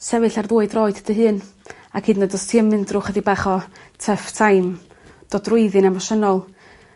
sefyll ar ddwy droed dy hun ac hyd yn oed os ti yn mynd drw' chydig bach o tuff time dod drwyddi'n emosiynol.